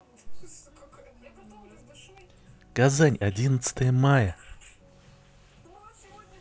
казань одиннадцатое мая